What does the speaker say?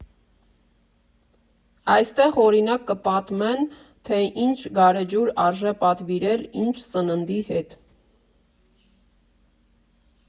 Այստեղ, օրինակ՝ կպատմեն, թե ինչ գարեջուր արժե պատվիրել ինչ սննդի հետ։